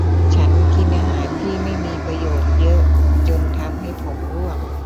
ฉันกินอาหารที่ไม่มีประโยชน์เยอะจนทำให้ผมร่วง